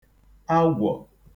agwọ̀